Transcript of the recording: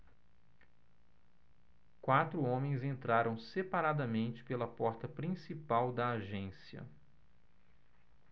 quatro homens entraram separadamente pela porta principal da agência